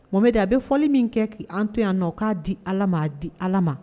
Momɛdi a bɛ fɔli min kɛ k'i an to yannɔ k'a di Ala ma a di Ala ma